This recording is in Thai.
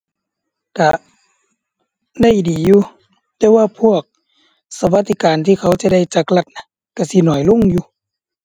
ก็ได้ดีอยู่ แต่ว่าพวกสวัสดิการที่เขาจะได้จากรัฐน่ะ ก็สิน้อยลงอยู่